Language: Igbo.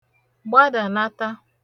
gbadànàtà